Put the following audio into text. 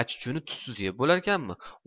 achichuvni tuzsiz yeb bo'larkanmi